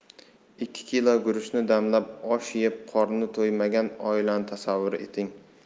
ikki kilo guruchni damlab osh yeb qorni to'ymagan oilani tasavvur eting